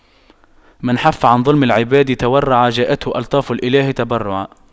من عَفَّ عن ظلم العباد تورعا جاءته ألطاف الإله تبرعا